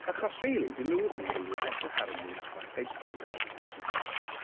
Achos rili 'dyn nhw ddim yn rili edrych ar unrhyw un arall, they just think about themselves.